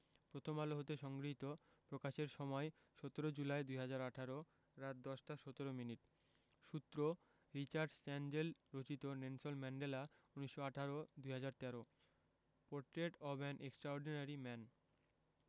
প্রথম আলো হতে সংগৃহীত প্রকাশের সময় ১৭ জুলাই ২০১৮ রাত ১০টা ১৭ মিনিট সূত্র রিচার্ড স্ট্যানজেল রচিত Nelson Mandela ১৯১৮ ২০১৩ portrait of an extraordinary man